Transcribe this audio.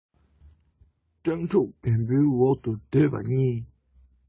སྤྲང ཕྲུག བེམ པོའི འོག ཏུ སྡོད པ གཉིས